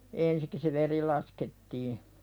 ensin se veri laskettiin